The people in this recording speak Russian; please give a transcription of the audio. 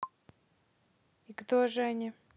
и кто же они